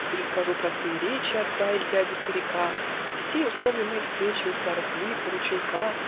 Перескажу простые речи Отца иль дяди-старика, Детей условленные встречи У старых лип, у ручейка